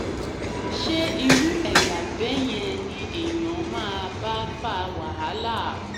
Ṣé irú èèyàb bẹ́ẹ̀ yẹn ni èèyàn máa bá fa wàhálà?”